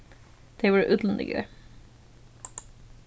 tey vóru útlendingar